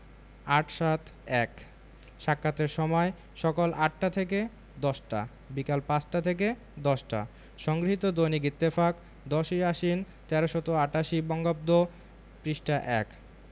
৮৭১ সাক্ষাতের সময়ঃসকাল ৮টা থেকে ১০টা - বিকাল ৫টা থেকে ১০টা সংগৃহীত দৈনিক ইত্তেফাক ১০ই আশ্বিন ১৩৮৮ বঙ্গাব্দ পৃষ্ঠা ১